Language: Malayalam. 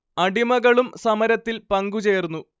അടിമകളും സമരത്തിൽ പങ്കു ചേർന്നു